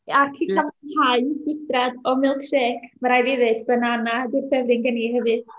Ac i gael mwynhau gwydriad o milkshake, ma' raid fi ddeud, banana 'di'r ffefryn gen i hefyd.